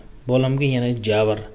bolamga yana javr